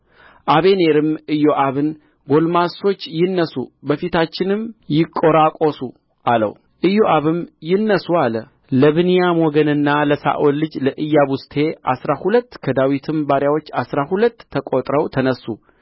አበኔርም ኢዮአብን ጕልማሶች ይነሡ በፊታችንም ይቈራቈሱ አለው ኢዮአብም ይነሡ አለ ለብንያም ወገንና ለሳኦል ልጅ ለኢያቡስቴ አስራ ሁለት ከዳዊትም ባሪያዎች አሥራ ሁለት ተቈጥረው ተነሡ